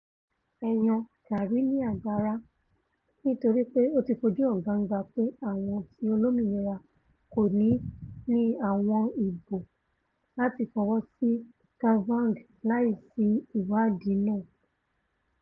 Ẹ̀yàn Flakes ni agbára, nítorípe ó ti fojú hàn gbangba pé àwọn ti Repubicans kòní ní àwọn ìbò láti fọwọ́sí Kavanaugh láìsí ìwáàdí náà.